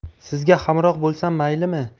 sizga hamroh bo'lsam maylimi